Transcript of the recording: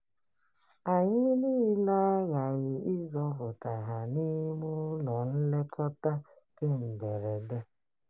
Anyị niile aghaghị ịzọpụta ha n'ime ụlọ nlekọta kemberede.